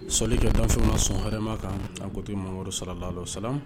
Selili ka dan ma sɔn hama kan an ko ten ma sarala sa